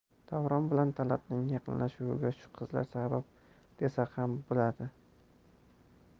davron bilan talatning yaqinlashuviga shu qizlar sabab desa ham bo'ladi